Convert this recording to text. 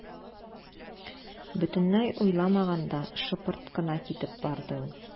Бөтенләй уйламаганда шыпырт кына китеп барды ул.